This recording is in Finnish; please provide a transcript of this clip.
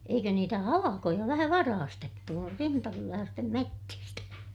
eikö niitä halkoja vähän varastettu - rintakyläisten metsistä